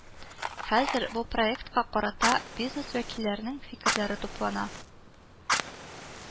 Хәзер бу проектка карата бизнес вәкилләренең фикерләре туплана